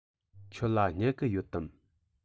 ཁྱོད ལ སྨྱུ གུ ཡོད དམ